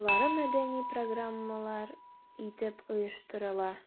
Алары мәдәни программалар итеп оештырыла.